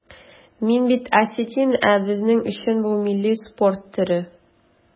Мин бит осетин, ә безнең өчен бу милли спорт төре.